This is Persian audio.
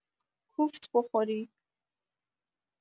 کوفت بخوری